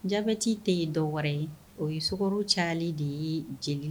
Jati tɛ ye dɔ wɛrɛ ye o ye sokaro cali de ye jeli